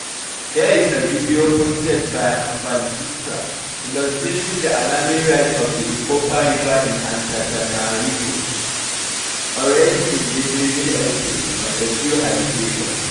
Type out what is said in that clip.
Here is a video posted by avyalvitra illustrating the alarming rise of the Ikopa river in Antananarivo, already invading real estate on a few habitations.